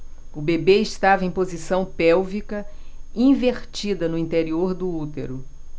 o bebê estava em posição pélvica invertida no interior do útero